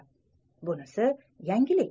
bunisi yangilik